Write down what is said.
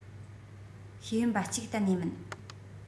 ཤེས ཡོན པ གཅིག གཏན ནས མིན